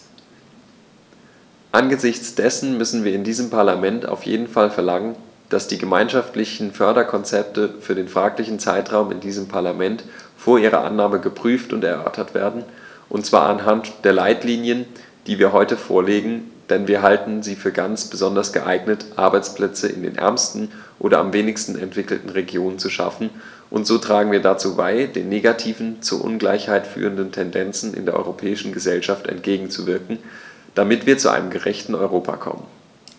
Angesichts dessen müssen wir in diesem Parlament auf jeden Fall verlangen, dass die gemeinschaftlichen Förderkonzepte für den fraglichen Zeitraum in diesem Parlament vor ihrer Annahme geprüft und erörtert werden, und zwar anhand der Leitlinien, die wir heute vorlegen, denn wir halten sie für ganz besonders geeignet, Arbeitsplätze in den ärmsten oder am wenigsten entwickelten Regionen zu schaffen, und so tragen wir dazu bei, den negativen, zur Ungleichheit führenden Tendenzen in der europäischen Gesellschaft entgegenzuwirken, damit wir zu einem gerechteren Europa kommen.